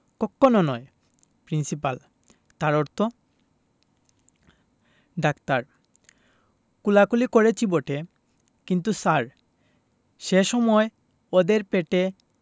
কক্ষণো নয় প্রিন্সিপাল তার অর্থ ডাক্তার কোলাকুলি করেছি বটে কিন্তু স্যার সে সময় ওদের পেটে